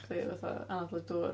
I chdi fatha anadlu dŵr.